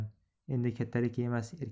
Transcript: endi kattalik emas